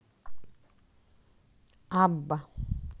abba